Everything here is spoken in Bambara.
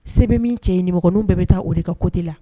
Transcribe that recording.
Se be min cɛ ye nimɔgɔniw bɛɛ bɛ taa o de ka coté la